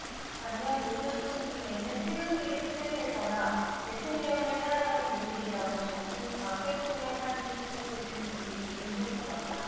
장년 노년층 중에는 태극기를 손에 들거나 대통령을 사랑하는 모임이라고 적힌 박 대통령 사진 피켓을 든 이들이 일부 있었다